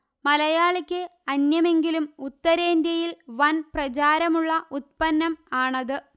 മലയാളിക്ക് അന്യമെങ്കിലും ഉത്തരേന്ത്യയിൽ വൻപ്രചാരമുള്ള ഉത്പന്നം ആണത്